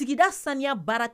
Sigida saniya baara kɛ